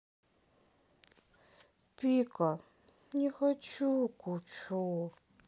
пика не хочу кучу